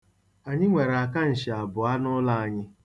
Anyị nwere akanshị abụọ n'ụlọ anyị.